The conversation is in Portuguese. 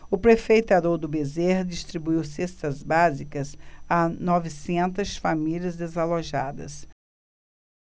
o prefeito haroldo bezerra distribuiu cestas básicas a novecentas famílias desalojadas